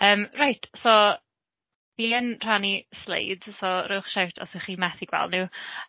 Yym reit, so fi'n rhannu sleid, so rowch shout os 'y chi'n methu gweld nhw.